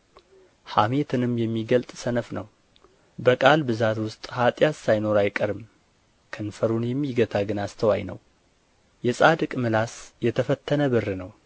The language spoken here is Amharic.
ሐሜትንም የሚገልጥ ሰነፍ ነው በቃል ብዛት ውስጥ ኃጢአት ሳይኖር አይቀርም ከንፈሩን የሚገታ ግን አስተዋይ ነው የጻድቅ ምላስ የተፈተነ ብር ነው